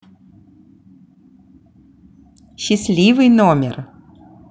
счастливый номер